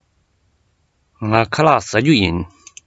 ངས ཁ ལག བཟས མེད